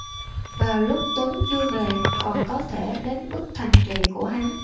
vào lúc tuấn chưa về còn có thể đến bức thành trì của hắn